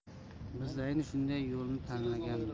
biz ayni shunday yo'lni tanlaganmiz